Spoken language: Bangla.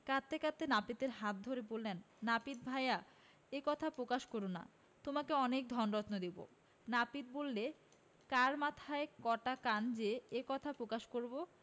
কাঁদতে কাঁদতে নাপিতের হাতে ধরে বললেন নাপিত ভায়া এ কথা প্রকাশ কর না তোমাকে অনেক ধনরত্ন দেব নাপিত বললে কার মাথায় কটা কান যে এ কথা প্রকাশ করব